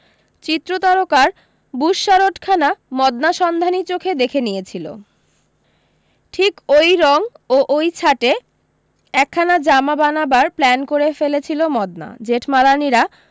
চিত্রতারকার বুশশারটখানা মদনা সন্ধানী চোখে দেখে নিয়েছিল ঠিক ওই রং ও ওই ছাঁটে একখানা জামা বানাবার প্ল্যান করে ফেলেছিল মদনা জেঠমালানিরা